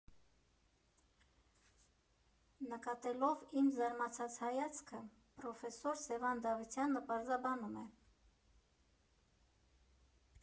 Նկատելով իմ զարմացած հայացքը, պրոֆեսոր Սևան Դավթյանը պարզաբանում է.